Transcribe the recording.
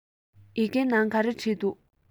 ཡི གེའི ནང ག རེ བྲིས འདུག